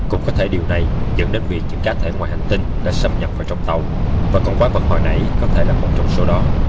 cũng có thể điều này dẫn tới việc những cá thể ngoài hành tinh đã xâm nhập vào trong tàu và con quái vật hồi nãy có thể là một trong số đó